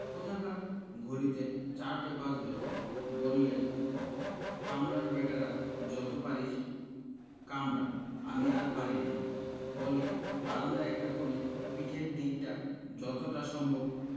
কোথাকার ঘড়িতে চারটে বাজলো বললেন কামড়া ব্যাটারা যত পারিস কামড়া আমি আর পারিনে বলেই বারান্দায় একটা কোণে পিঠের দিকটা যতটা সম্ভব